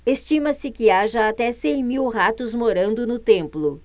estima-se que haja até cem mil ratos morando no templo